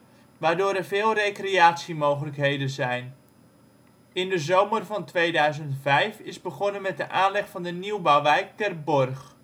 waardoor er veel recreatiemogelijkheden zijn. In de zomer van 2005 is begonnen met de aanleg van de nieuwbouwwijk Ter Borch